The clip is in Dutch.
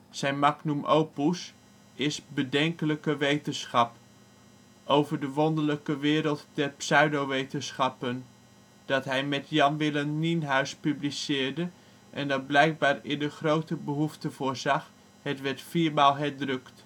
Zijn magnum opus is Bedenkelijke wetenschap. Over de wonderlijke wereld der pseudowetenschappen, dat hij met Jan Willen Nienhuys publiceerde en blijkbaar aan een grote behoefte voorzag: het werd viermaal herdrukt